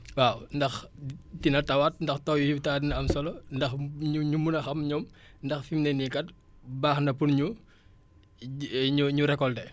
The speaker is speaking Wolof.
waaw ndax dina tawaat ndax taw yi bu tawee dina am solo ndax ñu ñu mën a xam ñoom ndax fi mu ne nii kat baax na pour ñu di ñu récolter